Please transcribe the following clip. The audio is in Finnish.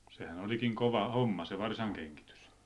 sehän olikin kova homma se varsan kengitys